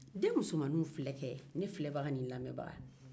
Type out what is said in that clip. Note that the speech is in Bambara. den musomanninw filɛ kɛɛ ne filɛbaga ni lamɛnbaga